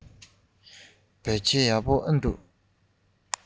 བོད ཆས ཡག པོ འདུག གས